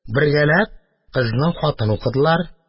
Бергәләп, кызның хатын укыдылар.